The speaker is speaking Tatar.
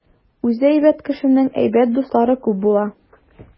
Үзе әйбәт кешенең әйбәт дуслары күп була.